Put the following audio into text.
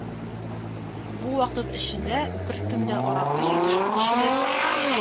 Бу вакыт эчендә беркем дә аракы җитештерүчеләр,